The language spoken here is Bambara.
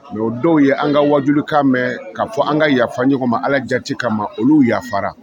Mais o dɔw ye an ka wajulukan mɛɛ ka fɔ an ka yafa ɲɔgɔn ma Ala jaati kama olu yafara